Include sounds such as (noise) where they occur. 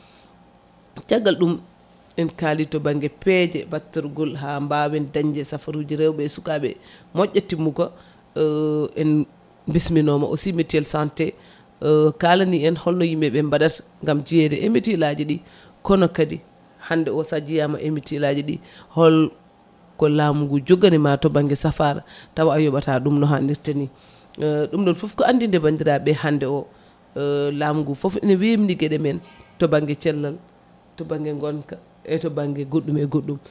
caggal ɗum en kaali to banggue peeje battirgol ha mbawen dañde safaruji rewɓe e sukaɓe moƴƴa timmuka (hesitation) en bisminoma aussi mutuelle santé (hesitation) kalani en holno yimɓeɓe mbaɗata gam jeyede e mutuelle aji ɗi kono kadi hande o sa jeeyama e mutuelle :far aji ɗi holko laamu ngu joganima to banggue safara taw a yooɓata ɗum no hannirta ni (hesitation) ɗum ɗon foof ko andinde bandiraɓe hande o (hesitation) laamu ngu foof ene wemni gueɗe men to banggue cellal to banggue gonka e to banggue goɗɗum e goɗɗum